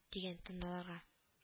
- дигән торналарга